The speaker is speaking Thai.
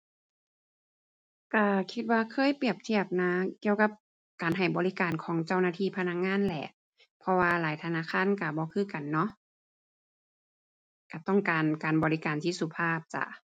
ก็คิดว่าเคยเปรียบเทียบนะเกี่ยวกับ การให้บริการของเจ้าหน้าที่พนักงานแหละ เพราะว่าหลายธนาคารก็บ่คือกันเนาะ ก็ต้องการการบริการที่สุภาพจ้ะ